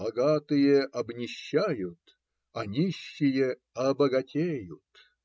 "богатые обнищают, а нищие обогатеют".